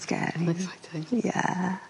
Scary. Exciting. Ie.